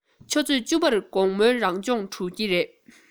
ཆུ ཚོད བཅུ པར དགོང མོའི རང སྦྱོང གྲོལ གྱི རེད